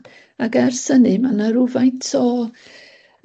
### ac ers hynny, ma' 'na rywfaint o